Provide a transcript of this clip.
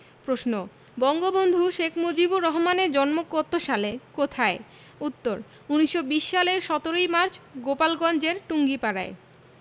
প্রশ্ন বঙ্গবন্ধু শেখ মুজিবুর রহমানের জন্ম কত সালে কোথায় উত্তর ১৯২০ সালের ১৭ মার্চ গোপালগঞ্জের টুঙ্গিপাড়ায়